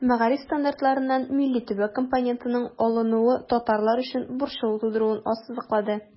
Мәгариф стандартларыннан милли-төбәк компонентының алынуы татарлар өчен борчылу тудыруын ассызыклады.